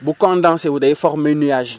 bu condenser wu day former nuage